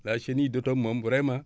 la chenille d' automne moom vraiment